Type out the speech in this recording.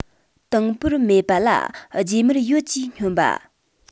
དང པོར མེད པ ལ རྗེས མར ཡོད ཅེས བསྙོན པ